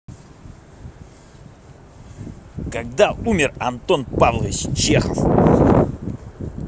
когда умер антон павлович чехов